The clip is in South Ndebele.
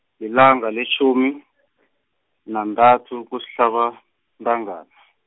lilanga letjhumi , nathathu kusihlaba, ntanga- .